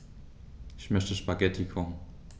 Ich möchte Spaghetti kochen.